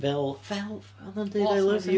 Fel fel... Oedd o'n dweud I love you.